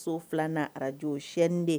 So filanan na arajo sɛin de